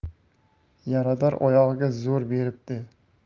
yarador oyog'iga zo'r beribdi